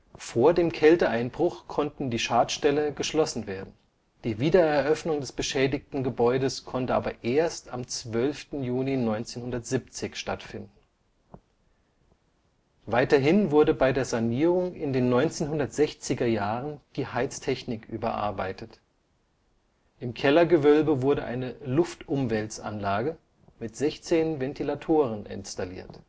Vor dem Kälteeinbruch konnten die Schadstelle geschlossen werden, die Wiedereröffnung des beschädigten Gebäudes konnte aber erst am 12. Juni 1970 stattfinden. Weiterhin wurde bei der Sanierung in den 1960er Jahren die Heiztechnik überarbeitet. Im Kellergewölbe wurde eine Luftumwälzanlage mit 16 Ventilatoren installiert